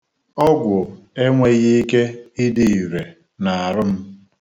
Ọgwụ enweghị ike ịdị irè n'arụ m.